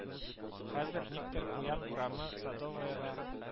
Хәзер никтер Куян урамы Садоваяга